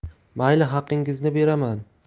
mayli haqingizni beraman